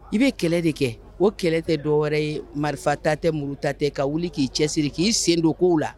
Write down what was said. I bɛ kɛlɛ de kɛ o kɛlɛ tɛ dɔw wɛrɛ ye marifa ta tɛ muru tatɛ ka wuli k'i cɛ sirisiri k'i sen don k' la